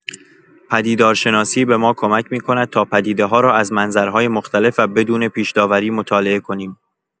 پدیدارشناسی به ما کمک می‌کند تا پدیده‌ها را از منظرهای مختلف و بدون پیش‌داوری مطالعه کنیم.